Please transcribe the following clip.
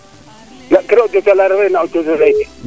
ga' kiro o jaco laa refeer na o joco